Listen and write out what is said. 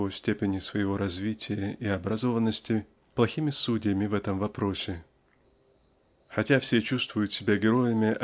по степени своего развития и образованности плохими судьями в этом вопросе. Хотя все чувствуют себя героями